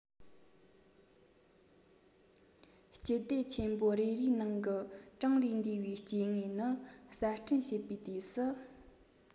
སྤྱི སྡེ ཆེན པོ རེ རེའི ནང གི གྲངས ལས འདས པའི སྐྱེ དངོས ནི གསར སྐྲུན བྱས པའི དུས སུ